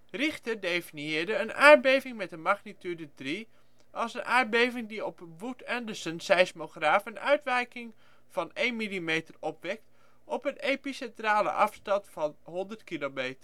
Richter definieerde een aardbeving met magnitude 3 als een aardbeving die op een Wood-Anderson seismograaf een uitwijking van 1 mm opwekt op een epicentrale afstand van 100